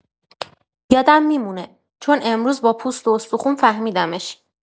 یادم می‌مونه، چون امروز با پوست و استخون فهمیدمش.